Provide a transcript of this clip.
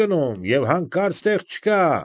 Գնում, և հանկարծ տեղ չկա։